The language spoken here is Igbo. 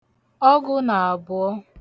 ọgū nà àbụ̀ọ